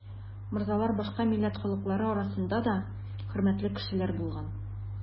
Морзалар башка милләт халыклары арасында да хөрмәтле кешеләр булган.